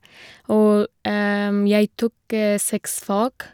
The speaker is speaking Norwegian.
Og jeg tok seks fag.